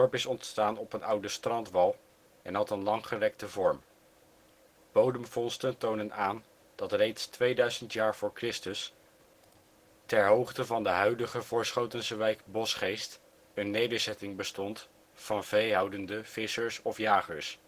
is ontstaan op een oude strandwal en had een langgerekte vorm. Bodemvondsten tonen aan dat reeds 2000 jaar voor Christus ter hoogte van de huidige Voorschotense wijk Boschgeest een nederzetting bestond van veehoudende vissers/jagers